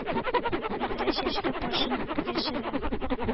Бөдрә чәчле башын яшерә.